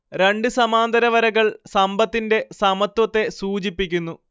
രണ്ട് സമാന്തര വരകൾ സമ്പത്തിന്റെ സമത്വത്തെ സൂചിപ്പിക്കുന്നു